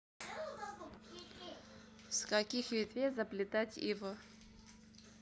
с каких ветвей заплетать иво